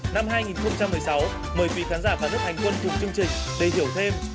năm hai nghìn không trăm mười sáu mời quý khán giả cả nước hành quân cùng chương trình để hiểu thêm